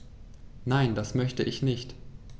Nein, das möchte ich nicht.